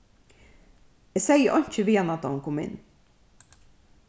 eg segði einki við hana tá hon kom inn